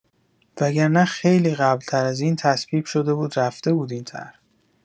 وگرنه خیلی قبل‌‌تر از این تصویب‌شده بود رفته بود این طرح!